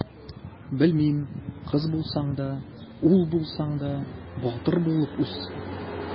Белмим: кыз булсаң да, ул булсаң да, батыр булып үс!